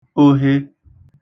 ohe